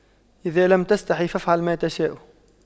اذا لم تستحي فأفعل ما تشاء